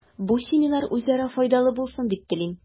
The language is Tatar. Бу семинар үзара файдалы булсын дип телим.